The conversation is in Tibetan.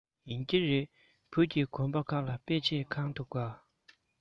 ཡིན གྱི རེད བོད ཀྱི དགོན པ ཁག ལ དཔེ ཆས ཁེངས འདུག ག